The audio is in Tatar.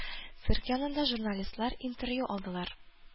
Цирк янында журналистлар интервью алдылар.